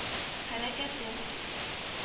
Хәрәкәте